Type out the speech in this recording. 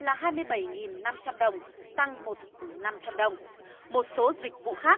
là hai mươi bảy nghìn năm trăm đồng tăng một nghìn năm trăm đồng một số dịch vụ khác